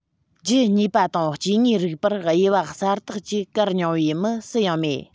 རྒྱུད གཉིས པ དང སྐྱེ དངོས རིགས བར དབྱེ བ གསལ དག ཅིག བཀར མྱོང བའི མི སུ ཡང མེད